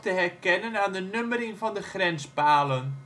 herkennen aan de nummering van de grenspalen